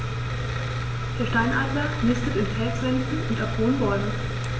Der Steinadler nistet in Felswänden und auf hohen Bäumen.